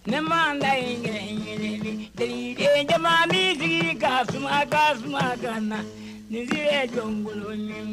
MUSIQUE ET CHANSON Ne man n ta in kelen kelen ni di. Cɛ caman b'i sigi ka suman ka suman ka na. Ni si ye jɔnkolon